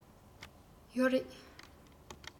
ཡོད རེད